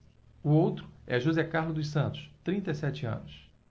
o outro é josé carlos dos santos trinta e sete anos